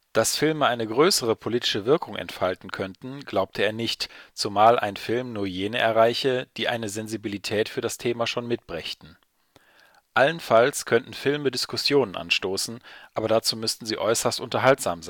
Dass Filme eine größere politische Wirkung entfalten könnten, glaube er nicht, zumal ein Film nur jene erreiche, die eine Sensibilität für das Thema schon mitbrächten. Allenfalls könnten Filme Diskussionen anstoßen, aber dazu müssten sie äußerst unterhaltsam